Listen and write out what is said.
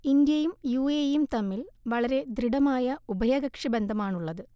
ഇന്ത്യയും U A ഇയും തമ്മിൽ വളരെ ദൃഢമായ ഉഭയകക്ഷി ബന്ധമാണുള്ളത്